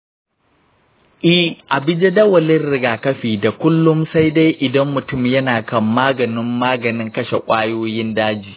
eh, a bi jadawalin rigakafi da kullum sai dai idan mutum yana kan maganin maganin kashe ƙwayoyin daji.